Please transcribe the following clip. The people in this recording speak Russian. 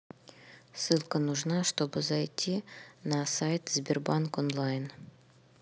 ссылка нужна чтобы зайти на сайт сбербанк онлайн